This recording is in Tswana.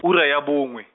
ura ya bongwe.